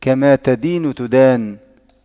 كما تدين تدان